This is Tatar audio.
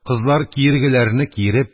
Кызлар киергеләрене киереп,